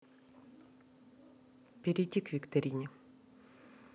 перейди к витрине